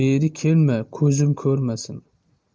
beri kelma ko'zim ko'rmasin